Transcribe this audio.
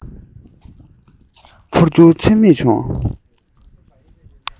འཕོ འགྱུར ཚད མེད བྱུང